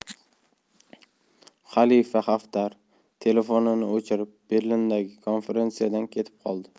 xalifa xaftar telefonini o'chirib berlindagi konferensiyadan ketib qoldi